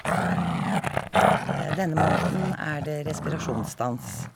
Denne måneden er det respirasjonsstans.